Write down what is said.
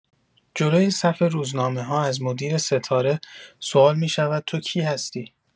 جلوی صف روزنامه‌ها از مدیر ستاره سوال می‌شود تو کی هستی؟